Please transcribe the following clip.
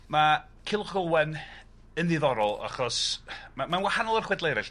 Ma' Culhwch ag Owen yn ddiddorol achos ma' ma'n wahanol i'r chwedle erill.